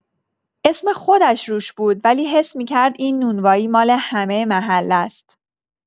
اسم خودش روش بود، ولی حس می‌کرد این نونوایی مال همه محله‌ست.